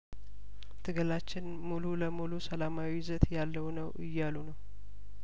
ትግላችን ሙሉ ለሙሉ ሰላማዊ ይዘት ያለው ነው እያሉ ነው